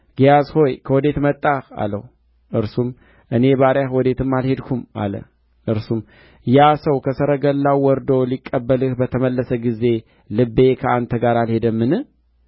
እነርሱም ተሸክመው በፊቱ ሄዱ ወደ ኮረብታውም በመጣ ጊዜ ከእጃቸው ወስዶ በቤቱ ውስጥ አኖራቸው ሰዎቹንም አሰናበተ እነርሱም ሄዱ እርሱ ግን ገብቶ በጌታው ፊት ቆመ ኤልሳዕም